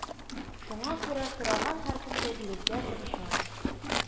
Шуңа күрә сораган һәркемгә бирергә тырышабыз